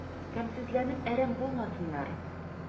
Тәмсезләнеп әрәм булмасыннар...